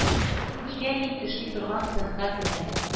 Нигә мин эшли торган цехка кермәдең